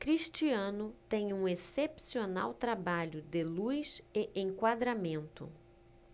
cristiano tem um excepcional trabalho de luz e enquadramento